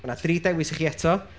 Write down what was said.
Ma' 'na dri dewis i chi eto.